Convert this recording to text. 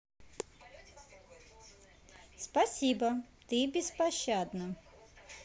спасибо ты беспощадна